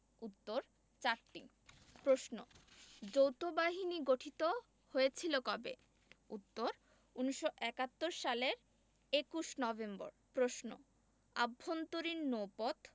উত্তর চারটি প্রশ্ন যৌথবাহিনী গঠিত হয়েছিল কবে উত্তর ১৯৭১ সালের ২১ নভেম্বর প্রশ্ন আভ্যন্তরীণ নৌপথ